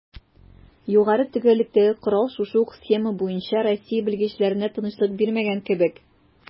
Югары төгәллектәге корал шушы ук схема буенча Россия белгечләренә тынычлык бирмәгән кебек: